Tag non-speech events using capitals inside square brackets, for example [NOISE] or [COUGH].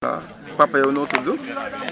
waa papa yow noo tudd [CROSSTALK]